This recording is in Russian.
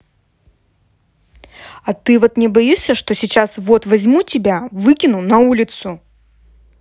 а ты вот не боишься что сейчас вот возьму тебя выкину на улицу